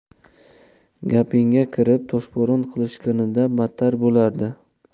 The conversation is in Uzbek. gapingga kirib toshbo'ron qilishganida battar bo'lardi